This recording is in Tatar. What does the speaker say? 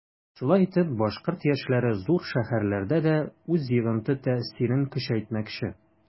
Шулай итеп башкорт яшьләре зур шәһәрләрдә дә үз йогынты-тәэсирен көчәйтмәкче.